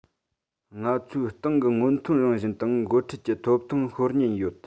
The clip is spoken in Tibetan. ང ཚོའི ཏང གི སྔོན ཐོན རང བཞིན དང འགོ ཁྲིད ཀྱི ཐོབ ཐང ཤོར ཉེན ཡོད